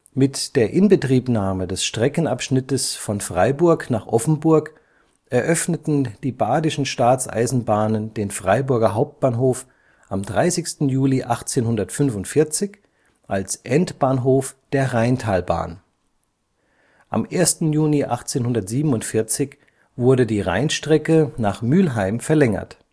Mit der Inbetriebnahme des Streckenabschnittes von Freiburg nach Offenburg eröffneten die Badischen Staatseisenbahnen den Freiburger Hauptbahnhof am 30. Juli 1845 als Endbahnhof der Rheintalbahn. Am 1. Juni 1847 wurde die Rheinstrecke nach Müllheim verlängert